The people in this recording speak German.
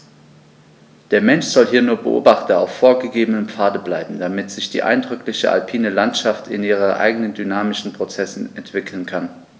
Der Mensch soll hier nur Beobachter auf vorgegebenen Pfaden bleiben, damit sich die eindrückliche alpine Landschaft in ihren eigenen dynamischen Prozessen entwickeln kann.